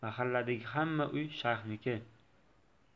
mahalladagi hamma uy shayxniki